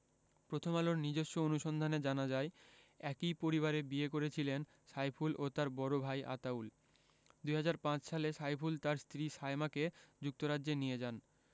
প্রথম আলোর নিজস্ব অনুসন্ধানে জানা যায় একই পরিবারে বিয়ে করেছিলেন সাইফুল ও তাঁর বড় ভাই আতাউল ২০০৫ সালে সাইফুল তাঁর স্ত্রী সায়মাকে যুক্তরাজ্যে নিয়ে যান